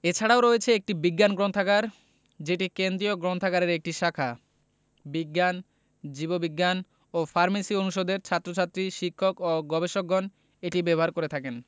এছাড়া রয়েছে একটি বিজ্ঞান গ্রন্থাগার যেটি কেন্দ্রীয় গ্রন্থাগারের একটি শাখা বিজ্ঞান জীববিজ্ঞান ও ফার্মেসি অনুষদের ছাত্রছাত্রী শিক্ষক ও গবেষকগণ এটি ব্যবহার করে থাকেন